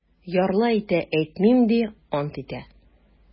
Ярлы әйтә: - әйтмим, - ди, ант итә.